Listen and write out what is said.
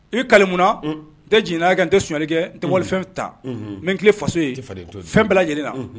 I b'i kali munna n tɛ jɛnɛya kɛ n tɛ sonyali kɛ n tɛ walifɛn ta n bɛ n kilen faso ye fɛn bɛɛ lajɛlen na.